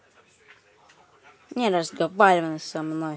не разговаривай со мной